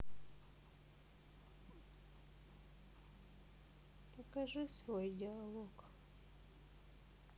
покажи свой диалог